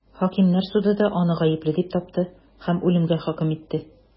Хакимнәр суды да аны гаепле дип тапты һәм үлемгә хөкем итте.